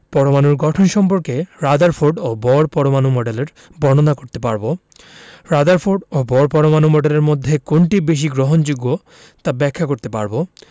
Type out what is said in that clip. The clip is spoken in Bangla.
পরমাণুর গঠন সম্পর্কে রাদারফোর্ড ও বোর পরমাণু মডেলের বর্ণনা করতে পারব রাদারফোর্ড ও বোর পরমাণু মডেলের মধ্যে কোনটি বেশি গ্রহণযোগ্য তা ব্যাখ্যা করতে পারব